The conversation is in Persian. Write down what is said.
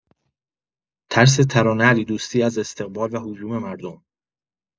ترس ترانه علیدوستی از استقبال و هجوم مردم